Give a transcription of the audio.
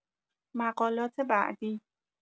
مقالات بعدی